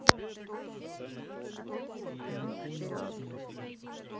на тридцать минут вперед